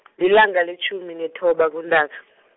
lilanga litjhumi nethoba kuNtaka .